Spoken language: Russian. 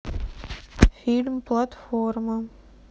фильм платформа